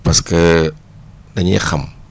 parce que dañiy xam